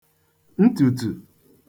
ntùtù